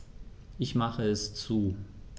Ich mache es zu.